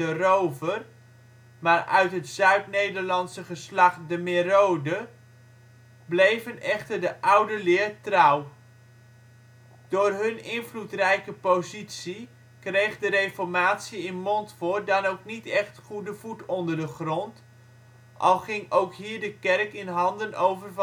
Rover maar uit het Zuid-Nederlandse geslacht De Merode – bleven echter de oude leer trouw. Door hun invloedrijke positie kreeg de Reformatie in Montfoort dan ook niet echt goede voet onder de grond, al ging ook hier de kerk in handen over